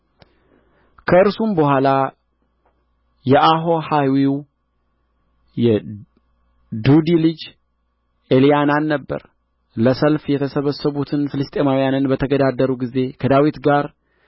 ከእርሱም በኋላ የአሆሃዊው የዱዲ ልጅ ኤልያናን ነበረ ለሰልፍ የተሰበሰቡትን ፍልስጥኤማውያንን በተገዳደሩ ጊዜ ከዳዊት ጋር